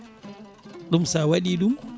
ɗum sa waɗi ɗum